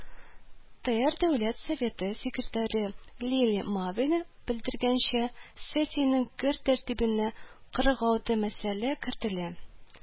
ТР Дәүләт Советы Секретаре Лилия Маврина белдергәнчә, сессиянең көн тәртибенә 46 мәсьәлә кертелә